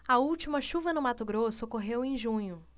a última chuva no mato grosso ocorreu em junho